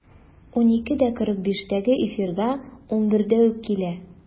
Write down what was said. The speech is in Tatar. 12.45-тәге эфирга 11-дә үк килә.